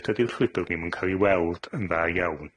Dydi'r llwybyr ddim yn ca'l 'i weld yn dda iawn.